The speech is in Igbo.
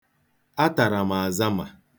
Atara m azama.